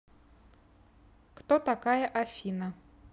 кто такая афина